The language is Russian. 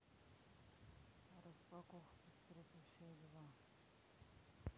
распаковка скрепышей два